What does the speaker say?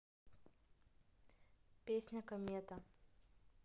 песня комета